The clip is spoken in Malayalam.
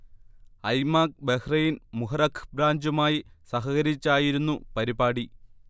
ഐമാക്ക് ബഹ്റൈൻ മുഹറഖ് ബ്രാഞ്ചുമായി സഹകരിച്ചായിരുന്നു പരിപാടി